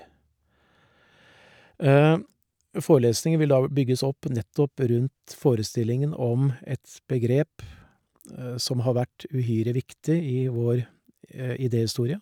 Forelesningen vil da vu bygges opp nettopp rundt forestillingen om et begrep som har vært uhyre viktig i vår idéhistorie.